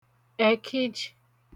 ẹ̀kijì